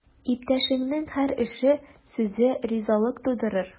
Иптәшеңнең һәр эше, сүзе ризалык тудырыр.